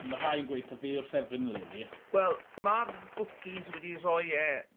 ...ma' rhai yn gweud taw fe yw'r ffefryn eleni. Wel ma' bwcîs wedi rhoi e